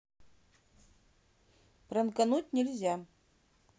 пранкануть нельзя